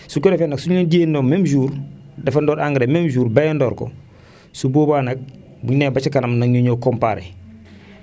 suñu ko defee nag suñu leen jiwandoo même jour defandoor engrais même jour bayandoor ko su boobaa nag bu ñu demee ba si kanam nag ñu ñëw comparé